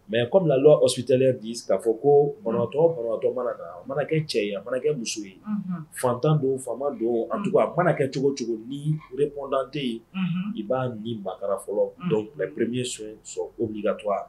Mɛ co kɔmi o sutelen di k'a fɔ ko bɔntɔtɔ mana a manakɛ cɛ ye a manakɛ muso ye fantan don faama don a tugu a mana kɛ cogo cogo ni o bɔntante ye i b'a ni ba fɔlɔ perere son sɔn o' ka to